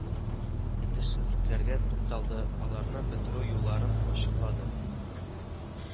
Итешсезлекләргә тукталды, аларны бетерү юлларын ачыклады